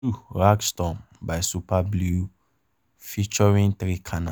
2. "Rag Storm" by Super Blue, featuring 3 Canal